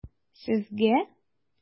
Сезгә?